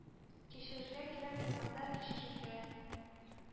Кичерергә кирәк булгандыр, кичерергә...